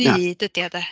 Drud ydy o de.